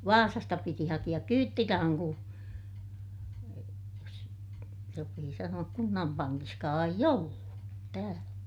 Vaasasta piti hakea kyytirahan kun jos sopii sanoa kunnan pankissakaan ei ollut täällä